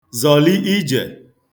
zọ̀li ijè